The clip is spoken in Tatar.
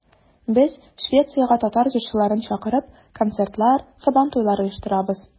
Без, Швециягә татар җырчыларын чакырып, концертлар, Сабантуйлар оештырабыз.